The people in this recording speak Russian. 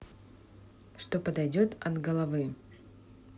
что подойдет от головы